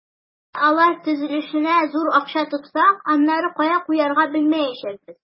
Әгәр дә алар төзелешенә зур акча тотсак, аннары кая куярга белмәячәкбез.